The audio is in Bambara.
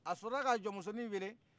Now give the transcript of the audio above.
a sɔrɔ la ka jɔnmusonin wele